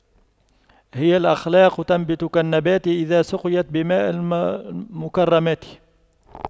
هي الأخلاق تنبت كالنبات إذا سقيت بماء المكرمات